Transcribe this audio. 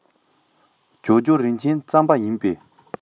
ཇོ ཇོ རིན ཆེན རྩམ པ ཡིན པས